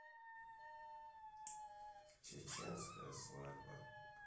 чеченская свадьба